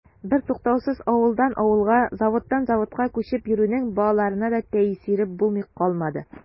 Бертуктаусыз авылдан авылга, заводтан заводка күчеп йөрүнең балаларына да тәэсире булмый калмады.